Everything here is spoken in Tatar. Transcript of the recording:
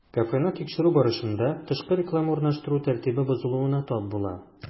Кафены тикшерү барышында, тышкы реклама урнаштыру тәртибе бозылуына тап була.